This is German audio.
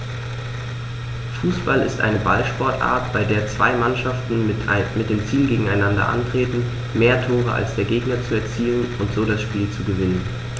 Fußball ist eine Ballsportart, bei der zwei Mannschaften mit dem Ziel gegeneinander antreten, mehr Tore als der Gegner zu erzielen und so das Spiel zu gewinnen.